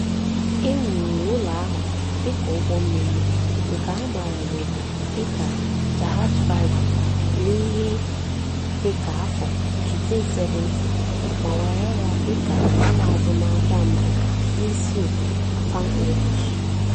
E wuru ụlọ ahụ dị ka ụgbọ mmiri, nke a maara n'obodo dị ka "Jahaj Bari", n'ihe dị ka afọ 1870 ma were ya dị ka ụlọ azụmahịa mbụ n'isi obodo Bangladesh.